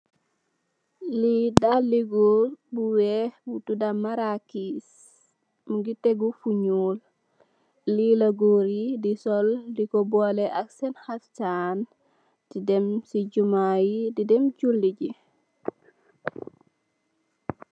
Lee dalle goor bu weex mu tuda marakess muge tegou fu nuul lela goor de sol deku bole ak sen haftan de dem se jumma ye de dem julije.